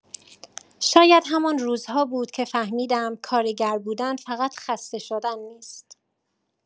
شاید همان روزها بود که فهمیدم کارگر بودن فقط خسته شدن نیست.